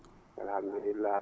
alhamdullilah